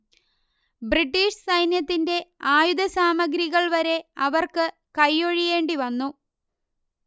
British സൈന്യത്തിന്റെ ആയുധസാമഗ്രികൾ വരെ അവർക്ക് കൈയ്യൊഴിയേണ്ടി വന്നു